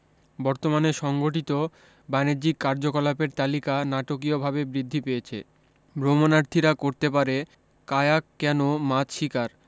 বর্তমানে সংগঠিত বানিজ্যিক কার্যকলাপের তালিকা নাটকীয়ভাবে বৃদ্ধি পেয়েছে ভ্রমণার্থীরা করতে পারে কায়াক ক্যানো মাছশিকার